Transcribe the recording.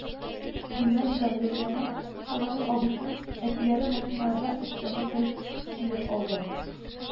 Гимназиядән Румияне һәм аның абыйсын, әтиләре машинада эштән үткәндә тиеп алды